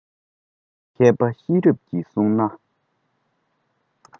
མཁས པ ཤེས རབ ཀྱིས བསྲུང ན